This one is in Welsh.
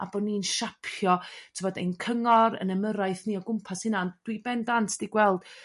A bo ni'n siapio t'bod ein cyngor 'yn ymyrraeth ni o gwmpas hynna ond dwi bendant 'di gweld